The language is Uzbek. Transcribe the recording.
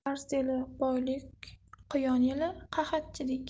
bars yili boylik quyon yili qahatchilik